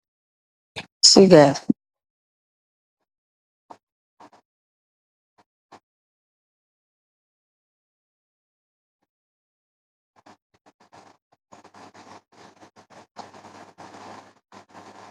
Li nak sujeer, sujerr danj ku de jaffa ndekoh pur togoh .